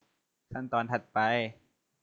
ขั้นตอนถัดไป